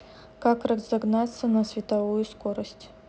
как разогнаться на световую скорость